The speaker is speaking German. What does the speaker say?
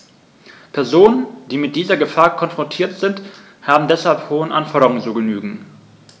Personen, die mit dieser Gefahr konfrontiert sind, haben deshalb hohen Anforderungen zu genügen.